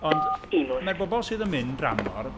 Ond ma'r bobl sydd yn mynd dramor...